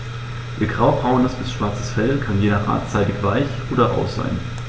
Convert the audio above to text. Ihr graubraunes bis schwarzes Fell kann je nach Art seidig-weich oder rau sein.